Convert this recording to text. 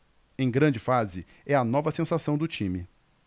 em grande fase é a nova sensação do time